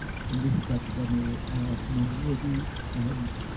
###yn gweithgar gyda nww, yy ma' nw wedi yym